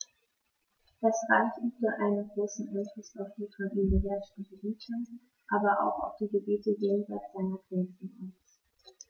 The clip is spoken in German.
Das Reich übte einen großen Einfluss auf die von ihm beherrschten Gebiete, aber auch auf die Gebiete jenseits seiner Grenzen aus.